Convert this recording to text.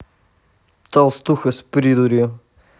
толстуха с придурью